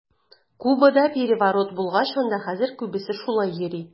Кубада переворот булгач, анда хәзер күбесе шулай йөри.